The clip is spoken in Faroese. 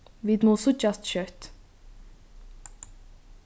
vit mugu síggjast skjótt